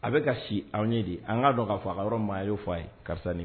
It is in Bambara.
A bɛ ka si anw ye di an k'a dɔn ka faga a yɔrɔ maaya yeo f' ye karisa ni